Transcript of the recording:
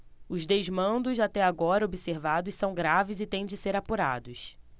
os desmandos até agora observados são graves e têm de ser apurados